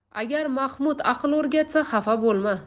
agar mahmud aql o'rgatsa xafa bo'lma